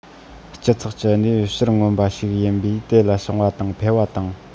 སྤྱི ཚོགས ཀྱི གནས ཡོད ཕྱིར མངོན པ ཞིག ཡིན པས དེ ལ བྱུང བ དང འཕེལ བ དང